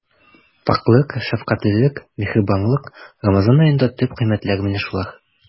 Пакьлек, шәфкатьлелек, миһербанлык— Рамазан аенда төп кыйммәтләр менә шулар.